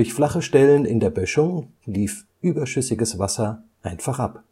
flache Stellen in der Böschung lief überschüssiges Wasser einfach ab